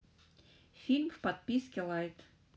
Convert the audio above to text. фильм в подписке лайт